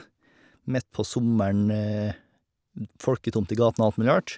Midt på sommeren, folketomt i gatene, alt mulig rart.